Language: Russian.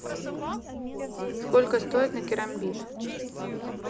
сколько стоит на керамбит